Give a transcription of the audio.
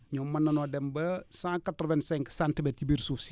ñoom mën na noo dem ba cent quatre vingt cinq centimètres ci biir suuf si